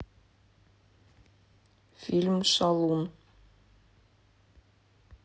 фильм шалун